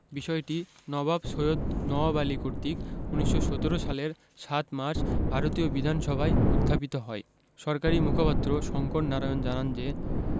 বিষয়টি নবাব সৈয়দ নওয়াব আলী কর্তৃক ১৯১৭ সালের ৭ মার্চ ভারতীয় বিধানসভায় উত্থাপিত হয় সরকারি মুখপাত্র শঙ্কর নারায়ণ জানান যে